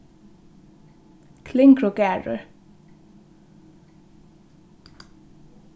klingrugarður